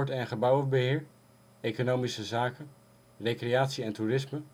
en gebouwenbeheer, economische zaken, recreatie en toerisme